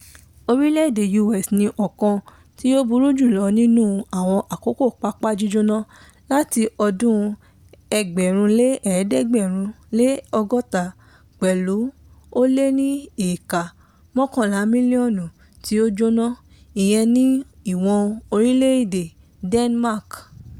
Orílè-èdè US ní ọ̀kan tí ó burú jù lọ nínú àwọn àkókò pápá jíjónà láti ọdún 1960, pẹ̀lú ó lé ní éékà 11 mílíọ̀nù tí ó jóná (ìyẹn ní ìwọ̀n orílẹ̀ èdè Denmark).